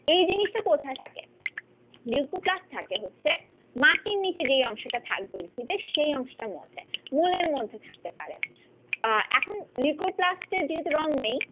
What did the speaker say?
এই জিনিসটা কোথায় থাকে লিউকোপ্লাস্ট থাকে হচ্ছে মাটির নিচে যে অংশটা থাকবে উদ্ভিদের সে অংশ টারমধ্যে মূলের মধ্যে থাকতে পারে এখন লিউকোপ্লাস্টের যেহেতু রং নেই